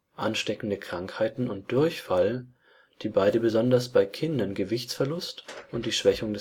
Ansteckende Krankheiten und Durchfall, die beide Gewichtsverlust und die Schwächung